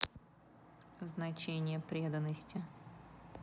значение преданности